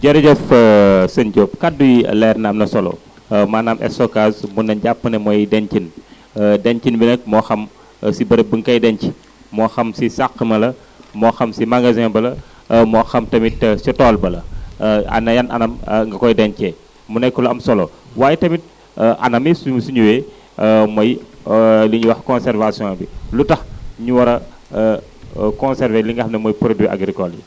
jërëjëf sëñ Diop kaddu yi leer na am na solo maanaam stockage mën nañ jàpp ne mooy denin dencin bi nag moo xam si béréb buñ koy denc moo xam si sàq ma la moo xam si magasin ba la moo xam tamit si tool ba la ana yan anam nga koy dencee mu nekk lu am solo waaye tamit anam yi su su ñëwee mooy li ñuy wax conservation bi lu tax ñu war a conserver li nga xam ne mooy produit agricoles yi